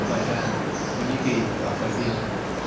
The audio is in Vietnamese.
bai ran thổ nhĩ kỳ và bờ ra sin